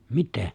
mitä